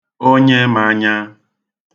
onye mānyā